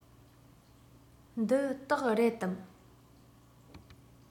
འདི སྟག རེད དམ